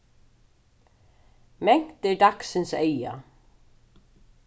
mangt er dagsins eyga